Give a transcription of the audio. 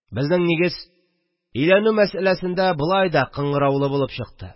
Безнең нигез өйләнү мәсьәләсендә болай да кыңгыраулы булып чыкты